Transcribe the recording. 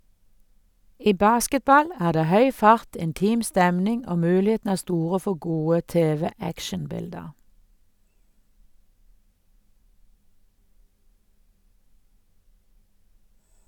I basketball er det høy fart, intim stemning, og mulighetene er store for gode tv-actionbilder.